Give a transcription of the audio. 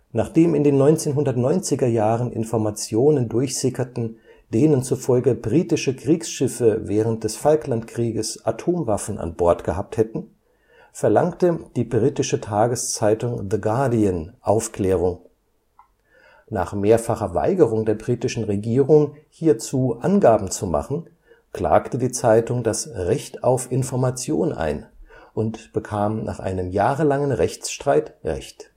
Nachdem in den 1990er Jahren Informationen durchsickerten, denen zufolge britische Kriegsschiffe während des Falklandkrieges Atomwaffen an Bord gehabt hätten, verlangte die britische Tageszeitung The Guardian Aufklärung. Nach mehrfacher Weigerung der britischen Regierung, hierzu Angaben zu machen, klagte die Zeitung das Recht auf Information ein und bekam nach einem jahrelangen Rechtsstreit Recht